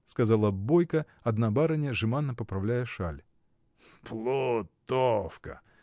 — сказала бойко одна барыня, жеманно поправляя шаль. — Плутовка!